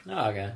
O ocê.